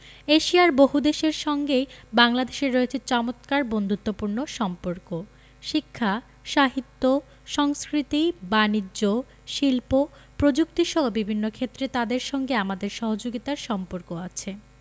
এশিয়ার বহুদেশের সঙ্গেই বাংলাদেশের রয়েছে চমৎকার বন্ধুত্বপূর্ণ সম্পর্ক শিক্ষা সাহিত্য সংস্কৃতি বানিজ্য শিল্প প্রযুক্তিসহ বিভিন্ন ক্ষেত্রে তাদের সঙ্গে আমাদের সহযোগিতার সম্পর্ক আছে